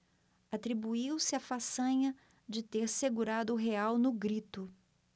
atribuiu-se a façanha de ter segurado o real no grito